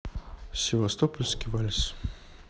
севастопольский вальс